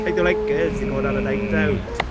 Like, they're like "Girls, you're going on a night out!"